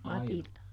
Matilda